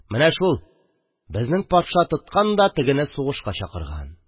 Менә шул: безнең патша тоткан да тегене сугышка чакырган...